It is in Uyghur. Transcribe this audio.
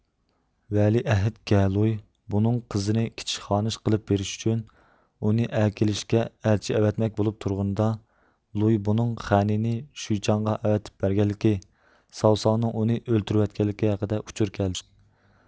ۋەلىئەھد گەلۇي بۇنىڭ قىزىنى كىچىك خانىش قىلىپ بېرىش ئۈچۈن ئۇنى ئەكېلىشكە ئەلچى ئەۋەتمەك بولۇپ تۇرغىنىدا لۇي بۇنىڭ خەنيىننى شۇيچاڭغا ئەۋەتىپ بەرگەنلىكى ساۋساۋنىڭ ئۇنى ئۆلتۈرۈۋەتكەنلىكى ھەققىدە ئۇچۇر كەلدى